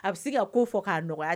A bɛ se ka ko fɔ k'a nɔgɔya